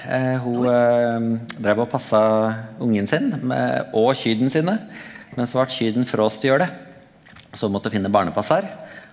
ho dreiv og passa ungen sin med òg kyrne sine, men så vart kyrne fråstolne så ho måtte finne barnepassar.